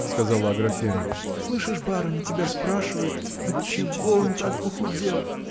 – сказала Аграфена, – слышишь, барыня тебя спрашивает? – Отчего он так похудел?